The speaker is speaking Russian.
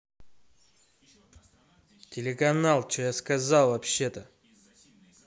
телеканал че я сказала вообще то